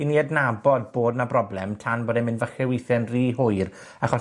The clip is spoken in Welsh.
i ni adnabod bod 'na broblem tan bo' e'n mynd falle withe'n rhy hwyr, achos